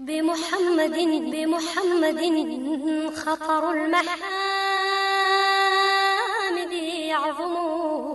Denbmud mudla yo